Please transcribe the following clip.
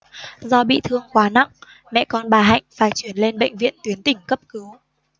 do bị thương quá nặng mẹ con bà hạnh phải chuyển lên bệnh viện tuyến tỉnh cấp cứu